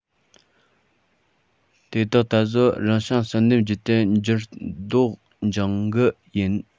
དེ དག ད གཟོད རང བྱུང བསལ འདེམས བརྒྱུད དེ འགྱུར ལྡོག འབྱུང གི ཡིན